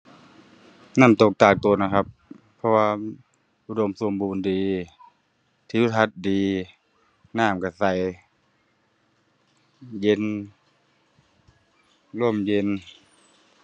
น้ำตกตาดโตนอะครับ เพราะว่าอุดมสมบูรณ์ดี ทิวทัศน์ดี น้ำก็ใส เย็น ร่มเย็น